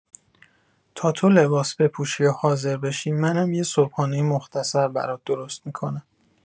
تا تو لباس بپوشی و حاضر بشی، منم یه صبحانه مختصر برات درست می‌کنم.